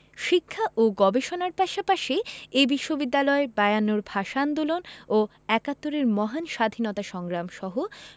শিক্ষা ও গবেষণার পাশাপাশি এ বিশ্ববিদ্যালয় বায়ান্নর ভাষা আন্দোলন ও একাত্তরের মহান স্বাধীনতা সংগ্রাম সহ